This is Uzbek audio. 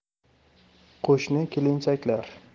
qo'shni kelinchaklar